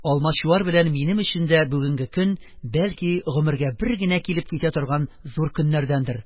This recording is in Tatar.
Алмачуар белән минем өчен дә бүгенге көн, бәлки, гомергә бер генә килеп китә торган зур көннәрдәндер.